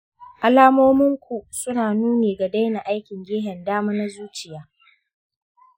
alamominku su na nuni ga daina aikin gefen dama na zuciya